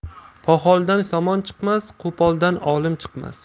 poxoldan somon chiqmas qo'poldan olim chiqmas